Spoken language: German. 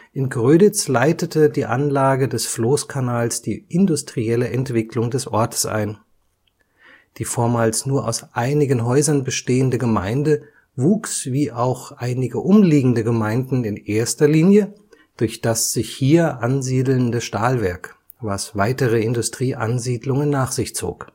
In Gröditz leitete die Anlage des Floßkanals die industrielle Entwicklung des Ortes ein. Die vormals nur aus einigen Häusern bestehende Gemeinde wuchs wie auch einige umliegende Gemeinden in erster Linie durch das sich hier ansiedelnde Stahlwerk, was weitere Industrieansiedlungen nach sich zog